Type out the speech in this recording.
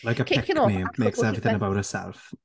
Like a pick me, makes everything about herself.